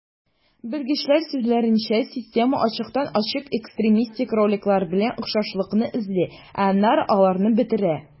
Белгечләр сүзләренчә, система ачыктан-ачык экстремистик роликлар белән охшашлыкны эзли, ә аннары аларны бетерә.